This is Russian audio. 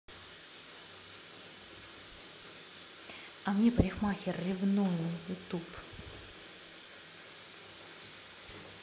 а мне парикмахер ревную youtube